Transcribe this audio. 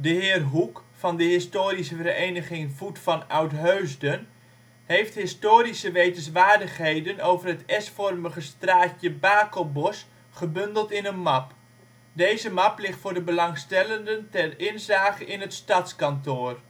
heer Hoek de historische vereniging " Voet van Oudheusden " heeft historische wetenswaardigheden over het S-vormige straatje Bakelbos gebundeld in een map. Deze map ligt voor de belangstellenden ter inzage in het Stadskantoor